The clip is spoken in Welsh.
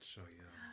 Joio.